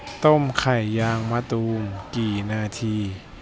ต้มไข่ยางมะตูมกี่นาที